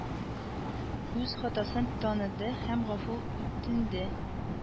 Үз хатасын таныды һәм гафу үтенде.